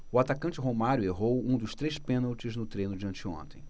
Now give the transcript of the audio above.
o atacante romário errou um dos três pênaltis no treino de anteontem